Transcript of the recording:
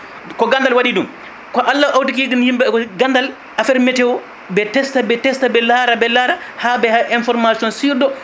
ko gandal waɗi ɗum ko orsiguisini yimɓe gandal affaire météo ɓe testa ɓe testa ɓe laara ɓe laara haaɓe heeɓa information sur ɗo